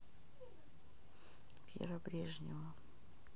вера брежнева